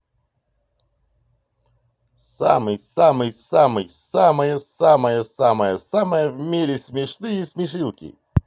самый самый самый самое самое самое самое в мире смешные смешилки